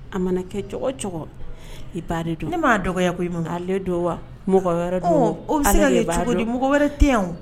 A mana kɛ cogo o cogo i ba de don, ne m'a dɔgɔya koyi mama, ale don wa mɔgɔ Ala de b'a mɔgɔ wɛrɛ tɛ yan wo